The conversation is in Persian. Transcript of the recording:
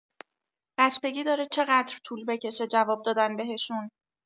بستگی داره چقدر طول بکشه جواب دادن بهشون